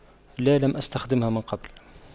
لا لم أستخدمه من قبل